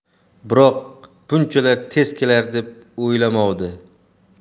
biroq bunchalar tez kelar deb o'ylamovdi